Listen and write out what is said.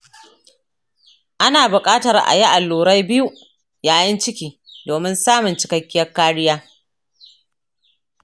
ana bukatar a yi allurai biyu yayin ciki domin samun cikakkiyar kariya.